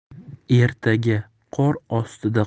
ertaga qor ostida